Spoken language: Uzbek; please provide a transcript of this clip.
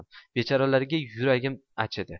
bechoralarga yuragim achidi